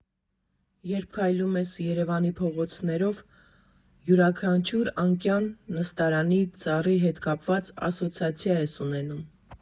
Երբ քայլում ես Երևանի փողոցներով, յուրաքանչյուր անկյան, նստարանի, ծառի հետ կապված ասոցիացիա ես ունես։